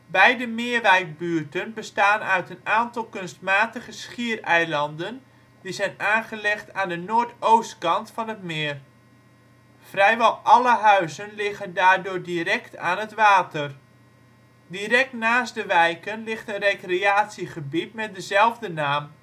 Beide Meerwijck buurten bestaan uit een aantal kunstmatige schiereilanden die zijn aangelegd aan de noord-oost kant van het meer. Vrijwel alle huizen liggen daardoor direct aan het water. Direct naast de wijken ligt een recreatiegebied met dezelfde naam